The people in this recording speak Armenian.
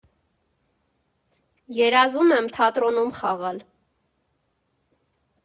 Երազում եմ թատրոնում խաղալ։